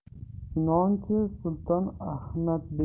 chunonchi sulton ahmadbek